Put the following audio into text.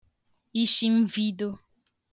ishimvido